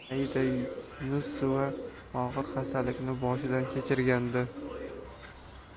aida yunusova og'ir xastalikni boshdan kechirgandi